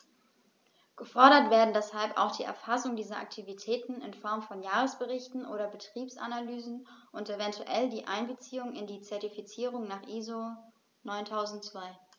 Gefordert werden deshalb auch die Erfassung dieser Aktivitäten in Form von Jahresberichten oder Betriebsanalysen und eventuell die Einbeziehung in die Zertifizierung nach ISO 9002.